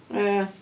Ie.